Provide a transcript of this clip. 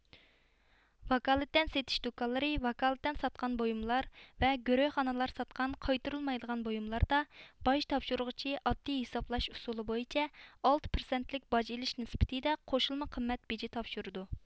ۋاكالىتەن سېتىش دۇكانلىرى ۋاكالىتەن ساتقان بويۇملار ۋە گۆرۆخانىلار ساتقان قايتۇرۇلمايدىغان بۇيۇملاردا باج تاپشۇرغۇچى ئاددىي ھېسابلاش ئۇسۇلى بويىچە ئالتە پىرسەنتلىك باج ئېلىش نىسبىتىدە قوشۇلما قىممەت بېجى تاپشۇرىدۇ